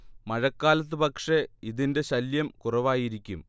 മഴക്കാലത്ത് പക്ഷേ ഇതിന്റെ ശല്യം കുറവായിരിക്കും